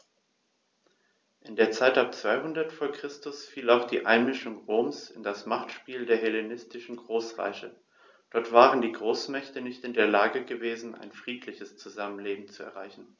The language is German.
In die Zeit ab 200 v. Chr. fiel auch die Einmischung Roms in das Machtspiel der hellenistischen Großreiche: Dort waren die Großmächte nicht in der Lage gewesen, ein friedliches Zusammenleben zu erreichen.